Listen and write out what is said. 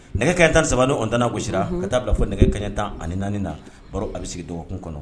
Nɛgɛ kɛɲɛ tan ni saba ni kɔnitan gosisira ka taaa bila fɔ nɛgɛ kɛɲɛ tan ani naani na baro a bɛ sigi dɔgɔkun kɔnɔ